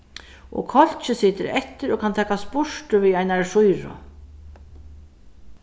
og kálkið situr eftir og kann takast burtur við einari sýru